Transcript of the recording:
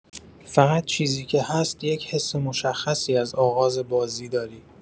فقط چیزی که هست یک حس مشخصی از آغاز بازی داری.